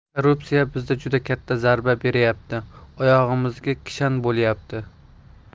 korrupsiya bizga juda katta zarba beryapti oyog'imizga kishan bo'lyapti